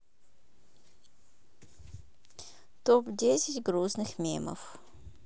топ десять грустных мемов